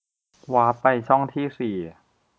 วาปไปช่องที่สี่